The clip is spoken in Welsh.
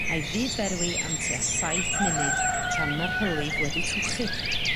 a'i fyd-ferwi am tua saith munud tan ma'r hylif wedi trwchu.